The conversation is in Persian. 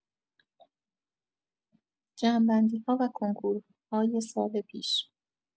جمع بندی‌ها و کنکورهای سال پیش